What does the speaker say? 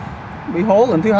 bị hố lần thứ